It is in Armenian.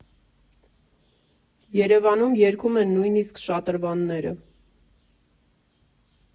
Երևանում երգում են նույնսիկ շատրվանները։